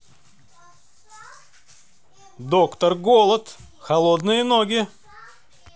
доктор голод холодные ноги